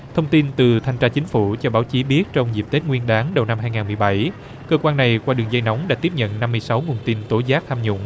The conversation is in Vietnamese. thông tin từ thanh tra chính phủ cho báo chí biết trong dịp tết nguyên đán đầu năm hai ngàn mười bảy cơ quan này qua đường dây nóng đã tiếp nhận năm mươi sáu nguồn tin tố giác tham nhũng